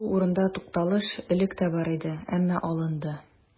Бу урында тукталыш элек тә бар иде, әмма алынды.